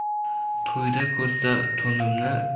to'yda ko'rsa to'nimni ber